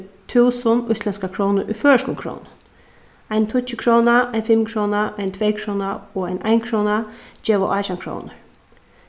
túsund íslendskar krónur í føroyskum krónum ein tíggjukróna ein fimmkróna ein tveykróna og ein einkróna geva átjan krónur